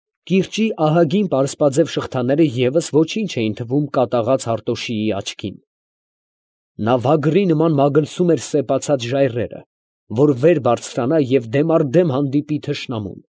Կիրճի ահագին պարսպաձև շղթաները ևս ոչինչ էին թվում կատաղած Հարտոշիի աչքին. նա վագրի նման մագլցում էր սեպացած ժայռերը, որ վեր բարձրանա և դեմառդեմ հանդիպի թշնամուն։